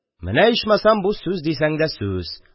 – менә ичмасам бу сүз дисәң дә сүз!